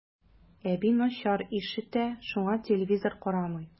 Әби начар ишетә, шуңа телевизор карамый.